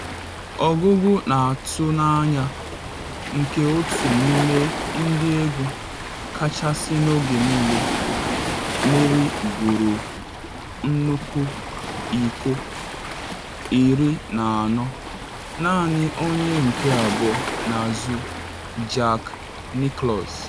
Ọgụgụ na atụ n’anya nke otu n’ime ndị egwu kachasị n’oge niile, merigoro nnukwu iko 14 naanị onye nke abụọ n’azụ Jack Nicklaus.